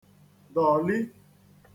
dọ̀li